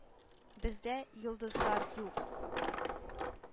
Бездә “йолдыз”лар юк.